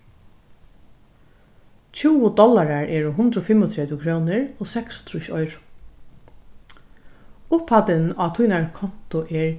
tjúgu dollarar eru hundrað og fimmogtretivu krónur og seksogtrýss oyru upphæddin á tínari kontu er